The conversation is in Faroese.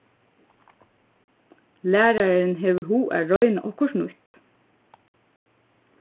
lærarin hevur hug at royna okkurt nýtt